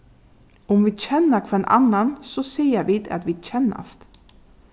um vit kenna hvønn annan so siga vit at vit kennast